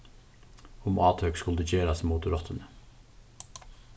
um átøk skuldu gerast móti rottuni